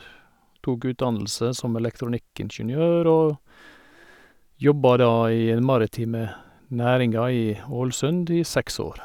Tok utdannelse som elektronikkingeniør og jobba da i den maritime næringa i Ålesund i seks år.